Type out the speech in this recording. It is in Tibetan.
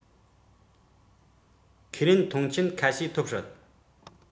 ཁས ལེན མཐོང ཆེན ཁ ཤས ཐོབ སྲིད